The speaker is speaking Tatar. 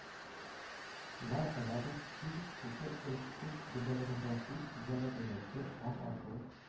Ла ыладыр ки, шушы өч көч бергәлегендә сүз–зара бәйләүче, аң ашу